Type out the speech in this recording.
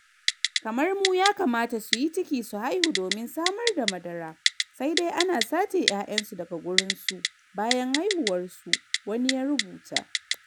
Kamar mu yakamata suyi ciki su haihu domin samar da madara, sai dai ana sace yayan su daga gurin su bayan haihuwar su,” wani ya rubuta.